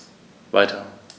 Weiter.